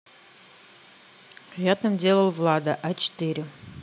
я там делал влада а четыре